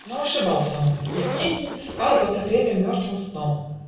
Но ошибался он: Евгений Спал в это время мертвым сном.